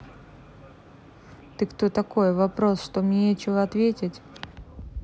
ты кто такой вопрос что мне нечего ответить